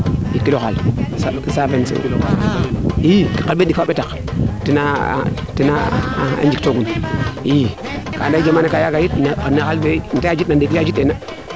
` i xarɓeen ɗik fo xa xarɓeen ɗik fo xa ɓetak tena njik toogun i ande jamano kaaga yit ne xaal fe a yaajit na nete yaajit na ne